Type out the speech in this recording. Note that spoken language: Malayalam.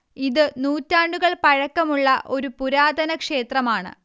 ഇതു നൂറ്റാണ്ടുകൾ പഴക്കമു ള്ള ഒരു പുരാതന ക്ഷേത്രമാണ്